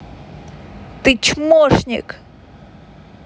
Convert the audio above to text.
ты чмошник